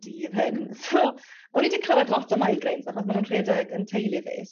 dydd hyn. So o'n i 'di clywed lot o migraines achos ma' nw'n rhedeg yn teulu fi so